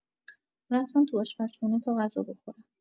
رفتم تو آشپزخونه تا غذا بخورم.